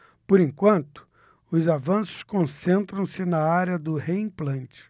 por enquanto os avanços concentram-se na área do reimplante